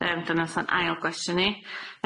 Yym dyna fatha'n ail gwestiwn i.